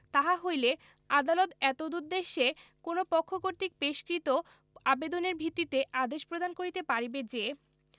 তাহা হইলে আদালত এতদুদ্দেশ্যে কোন পক্ষ কর্তৃক পেশকৃত আবেদনের ভিত্তিতে আদেশ প্রদান করিতে পারিবে যে